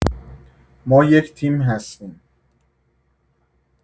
ما یک تیم هستیم.